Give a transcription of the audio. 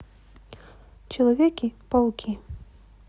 человеки пауки